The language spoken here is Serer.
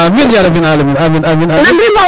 amin yarabila alamin amiin